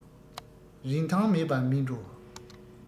རིན ཐང མེད པ མིན འགྲོ